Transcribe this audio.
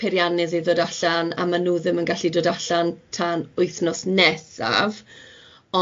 peiriannydd i ddod allan, a maen nw ddim yn gallu dod allan tan wythnos nesaf.